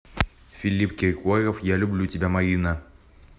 филипп киркоров я люблю тебя марина